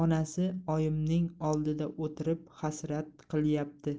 oldida o'tirib hasrat qilyapti